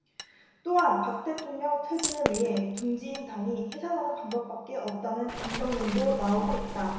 또한 박 대통령 퇴진을 위해 둥지인 당이 해산하는 방법밖에 없다는 강경론도 나오고 있다